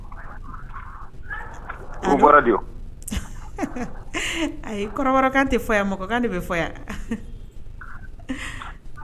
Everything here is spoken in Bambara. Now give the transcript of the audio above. Bɔra a kɔrɔbarakan kan tɛ mɔgɔkan de bɛ fɔ